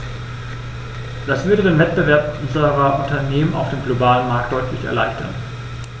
Das würde den Wettbewerb unserer Unternehmen auf dem globalen Markt deutlich erleichtern.